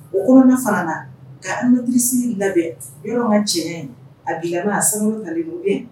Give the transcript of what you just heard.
O kɔnɔna fana ka animatrice labɛn, yɔrɔ n ka cɛɲɛ, a bilama a sankɔrɔtalen don